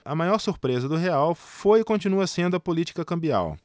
a maior surpresa do real foi e continua sendo a política cambial